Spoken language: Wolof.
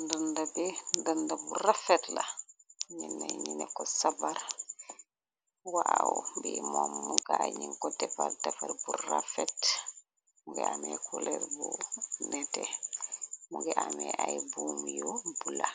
Ndënda be ndënda bu rafet la ñenna ñine ko sabar waaw, bi moom mu ka nyu ko defar defar bu rafet. Mungi amee koloor bu nete mu ngi amee ay buum yu bula,